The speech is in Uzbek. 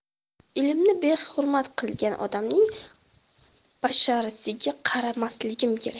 ilmni behurmat qilgan odamning basharasiga qaramasligim kerak